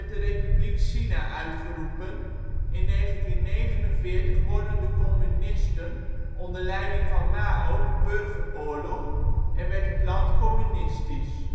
Republiek China uitgeroepen, in 1949 wonnen de communisten onder leiding van Mao de burgeroorlog en werd het land communistisch